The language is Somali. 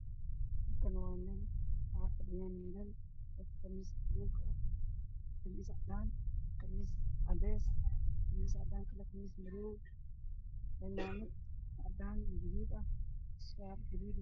Halkaan waa meel waxaa fadhiyo wiilal wato qamiis buluug, qamiis cadaan ah, qamiis cadeys, qamiis madow, cimaamad cadaan iyo gaduud ah iyo surwaal gaduud ah.